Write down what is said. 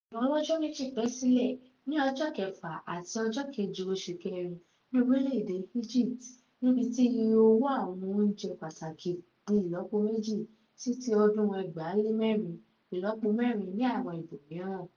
Rògbòdìyàn ọlọ́jọ́ méjì bẹ́ sílẹ̀ ní ọjọ́ 6 àti 7 oṣù Kẹrin ní orílẹ̀ èdè Egypt, níbi tí iye owó àwọn oúnjẹ pàtàkì di ìlọ́po méjì sí ti ọdún 2004,(ìlọ́po mẹrin ní àwọn ibòmíràn).